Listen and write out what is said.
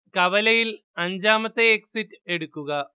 കവലയിൽ അഞ്ചാമത്തെ എക്സിറ്റ് എടുക്കുക